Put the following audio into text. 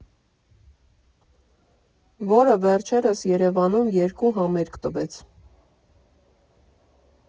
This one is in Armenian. Որը վերջերս Երևանում երկու համերգ տվեց։